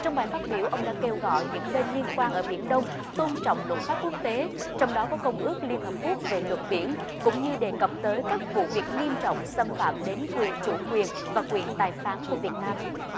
trong bài phát biểu ông đã kêu gọi những bên liên quan ở biển đông tôn trọng luật pháp quốc tế trong đó có công ước liên hợp quốc về luật biển cũng như đề cập tới các vụ việc nghiêm trọng xâm phạm đến quyền chủ quyền và quyền tài phán của việt nam